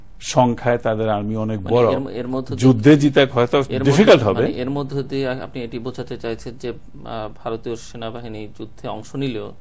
সংখ্যায় তাদের আর্মি অনেক বড় যুদ্ধে জিতা হয়ত ডিফিকাল্ট হবে এর মধ্য দিয়ে আপনি এটি বোঝাতে চাইছেন যে ভারতীয় সেনাবাহিনী যুদ্ধে অংশ নিলেও